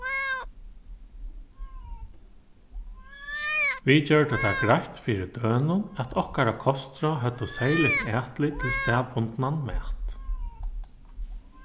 vit gjørdu tað greitt fyri dønum at okkara kostráð høvdu serligt atlit til staðbundnan mat